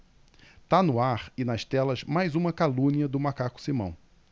tá no ar e nas telas mais uma calúnia do macaco simão